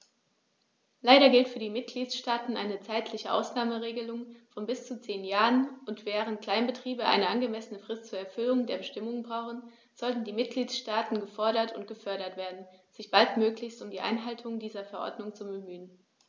Leider gilt für die Mitgliedstaaten eine zeitliche Ausnahmeregelung von bis zu zehn Jahren, und, während Kleinbetriebe eine angemessene Frist zur Erfüllung der Bestimmungen brauchen, sollten die Mitgliedstaaten gefordert und gefördert werden, sich baldmöglichst um die Einhaltung dieser Verordnung zu bemühen.